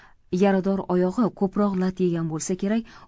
yarador oyog'i ko'proq lat yegan boisa kerak